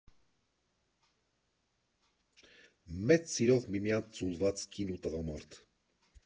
Մեծ սիրով միմյանց ձուլված կին ու տղամարդ։